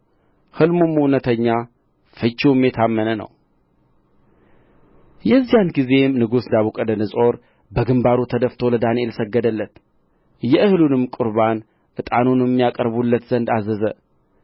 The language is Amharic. ሕልሙም እውነተኛ ፍቺውም የታመነ ነው የዚያን ጊዜም ንጉሡ ናቡከደነፆር በግምባሩ ተደፍቶ ለዳንኤል ሰገደለት የእህሉንም ቍርባን ዕጣኑንም ያቀርቡለት ዘንድ አዘዘ